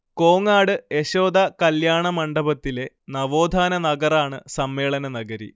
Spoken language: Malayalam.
കോങ്ങാട് യശോദ കല്യാണമണ്ഡപത്തിലെ നവോത്ഥാന നഗറാണ് സമ്മേളനനഗരി